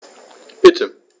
Bitte.